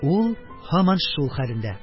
Ул һаман шул хәлендә: